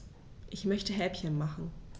Ich möchte Häppchen machen.